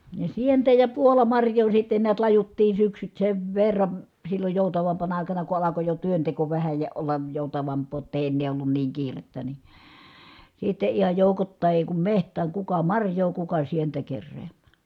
ja sientä ja puolamarjaa sitten näet lajuttiin syksyt sen verran silloin joutavampana aikana kun alkoi jo työnteko vähän ja olla joutavampaa jotta ei ennen ollut niin kiirettä niin sitten ihan joukoittain ei kun metsään kuka marjaa kuka sientä keräämään